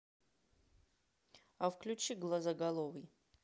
а включи глазоголовый